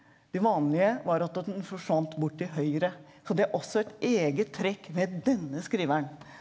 det vanlige var at den forsvant bort i høyre, så det er også et eget trekk med denne skriveren.